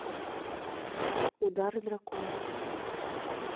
удар дракона